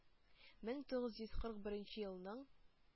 Мең тугыз йөз кырык беренче елның